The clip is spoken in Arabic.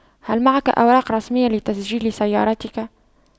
هل معك أوراق رسمية لتسجيل سيارتك